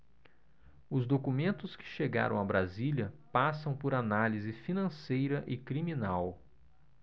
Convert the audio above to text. os documentos que chegaram a brasília passam por análise financeira e criminal